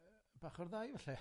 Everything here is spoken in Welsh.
Yy, bach o'r ddau, falle.